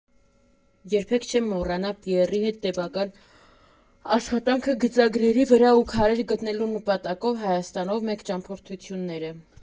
«Երբեք չեմ մոռանա Պիեռի հետ տևական աշխատանքը գծագրերի վրա ու քարեր գտնելու նպատակով Հայաստանով մեկ ճամփորդությունները»։